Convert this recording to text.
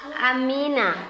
amiina